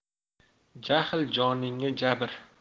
jahl joningga jabr